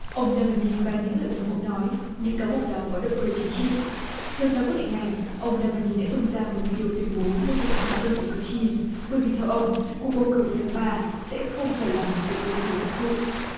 ông na va ny và những người ủng hộ nói những cáo buộc đó có động cơ chính trị theo sau quyết định này ông na va ny đã tung ra một vi đi âu tuyên bố một cuộc đình công của cử tri bởi vì theo ông cuộc bầu cử vào tháng ba sẽ không phải là một cuộc bầu cử thực thụ